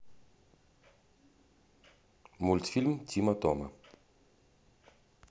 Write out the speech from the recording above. мультфильм тима тома